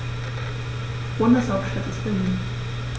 Bundeshauptstadt ist Berlin.